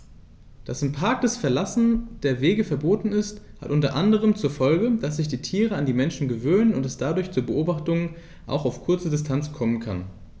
Dass im Park das Verlassen der Wege verboten ist, hat unter anderem zur Folge, dass sich die Tiere an die Menschen gewöhnen und es dadurch zu Beobachtungen auch auf kurze Distanz kommen kann.